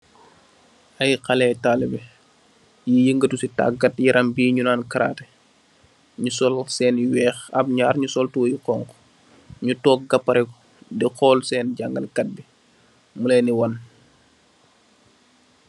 Ay xale talibe yi yengetu si taagat yaram bi nyu naan karate, nyu sol seen yu weex, am nyaar nyu sol tubeey yu xonxu, nyu tog gapareku di xol seen jangalekat bi mo len ni waan